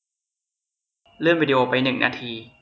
เลื่อนวีดีโอไปหนึ่งนาที